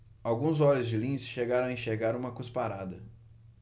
alguns olhos de lince chegaram a enxergar uma cusparada